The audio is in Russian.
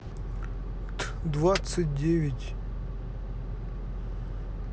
т двадцать девять